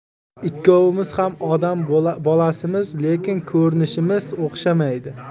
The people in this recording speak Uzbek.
qiziq ikkovimiz ham odam bolasimiz lekin ko'rinishimiz o'xshamaydi